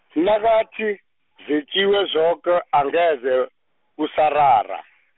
nakathi, zetjiwe zoke angeze, kusarara.